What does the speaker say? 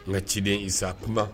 N ka ciden zana kunba